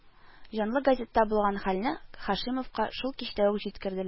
Җанлы газетта булган хәлне Һашимовка шул кичтә үк җиткерделәр